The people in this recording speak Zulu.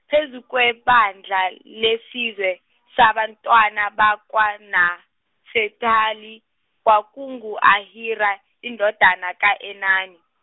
phezu kwebandla lesizwe sabantwana bakwaNafetali, kwakungu Ahira indodana ka Enani.